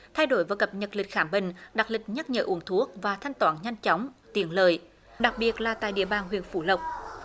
thay đổi và cập nhật lịch khám bệnh đặt lịch nhắc nhở uống thuốc và thanh toán nhanh chóng tiện lợi đặc biệt là tại địa bàn huyện phú lộc